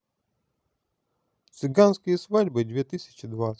цыганские свадьбы две тысячи двадцать